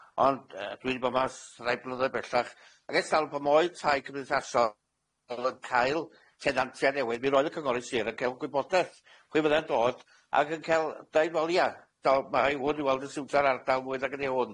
Ond yy dwi 'di bo' 'ma e's rhai blynyddoedd bellach. Ag e's dalwm pan oedd tai cymdeithasol yn cael tenantiaid newydd, mi roedd y cynghorydd sir yn ca'l gwybodeth pwy fydda'n dod, ac yn ca'l deud, Wel ia, t'od mae hei- hwn i weld yn siwtio'r ardal mwy nag ydi hwn.